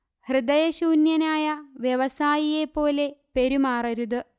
ഹൃദയശൂന്യനായ വ്യവസായിയെപ്പോലെ പെരുമാറരുത്